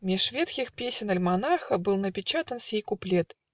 Меж ветхих песен альманаха Был напечатан сей куплет